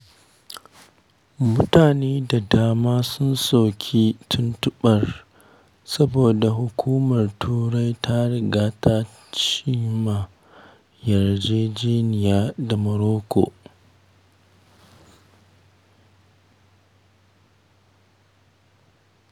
Mutane da dama sun soki tuntuɓar saboda Hukumar Turai ta riga ta cima ma yarjejeniya da Morocco.